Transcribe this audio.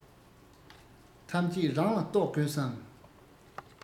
ཐམས ཅད རང ལ གཏོགས དགོས སྙམ